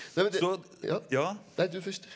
nei men det ja nei du først.